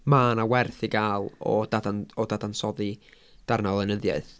Ma' 'na werth i gael o dadan- o dadansoddi darn o lenyddiaeth.